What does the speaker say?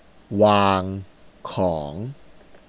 วางของ